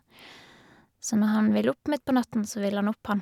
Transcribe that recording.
Så når han vil opp midt på natten, så vil han opp, han.